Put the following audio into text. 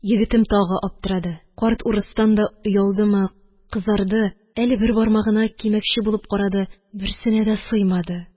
Егетем тагы аптырады, карт урыстан да оялдымы, кызарды, әле бер бармагына, әле бер бармагына кимәкче булып карады, берсенә дә сыймады